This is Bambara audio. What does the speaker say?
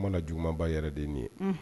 kuma na jugumaba yɛrɛ de nin ye